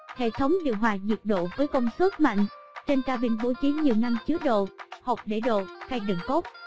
hệ thống điều hòa nhiệt đội công suất mạnh trên cabin bố trí nhiều ngăn chứa đồ hộc để đồ khay đựng cốc